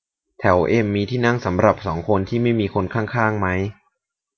แถวเอ็มมีที่นั่งสำหรับสองคนที่ไม่มีคนข้างข้างมั้ย